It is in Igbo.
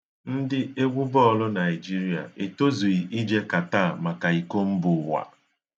Ndị egwu bọọlụ Naijiria etozughị ije Kataa maka iko mbụụwa.